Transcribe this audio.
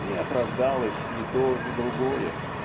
не оправдалось ни то ни другое.